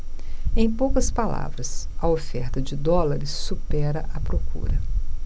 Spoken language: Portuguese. em poucas palavras a oferta de dólares supera a procura